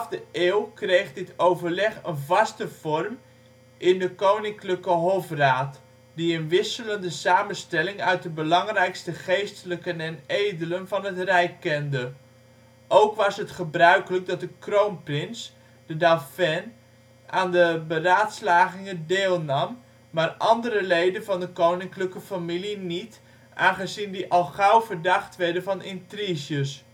de 12e eeuw kreeg dit overleg een vaste vorm in de koninklijke hofraad (Latijn: curia regis), die een wisselende samenstelling uit de belangrijkste geestelijken en edelen van het rijk kende. Ook was het gebruikelijk dat de kroonprins, de dauphin, aan de beraadslagingen deelnam, maar andere leden van de koninklijke familie niet, aangezien die al gauw verdacht werden van intriges